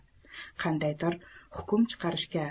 qandaydir hukm chiqarishga